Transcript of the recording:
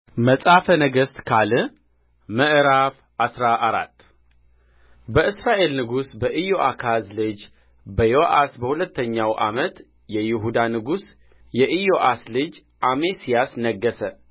መጽሐፈ ነገሥት ካልዕ ምዕራፍ አስራ አራት በእስራኤል ንጉሥ በኢዮአካዝ ልጅ በዮአስ በሁለተኛው ዓመት የይሁዳ ንጉሥ የኢዮአስ ልጅ አሜስያስ ነገሠ